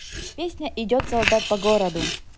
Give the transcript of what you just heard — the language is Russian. песня идет солдат по городу